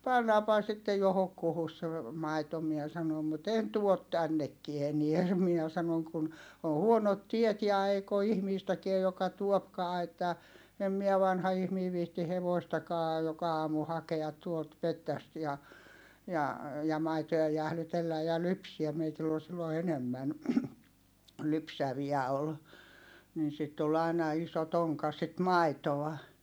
pannaanpahan sitten johonkuhun se maito minä sanoin mutta en tuo tännekään enää se minä sanoin kun on huonot tiet ja eikä ole ihmistäkään joka tuokaan että en minä vanha ihminen viitsi hevostakaan joka aamu hakea tuolta metsästä ja ja ja maitoja jäähdytellä ja lypsää meillä oli silloin enemmän lypsäviä oli niin sitä tuli aina iso tonkka sitä maitoa